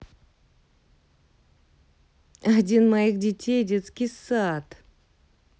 один моих детей детский сад